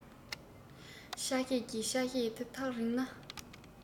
ཆ ཤས ཀྱི ཆ ཤས དག ཐག རིང ན